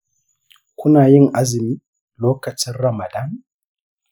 kuna yin azumi lokacin ramadan?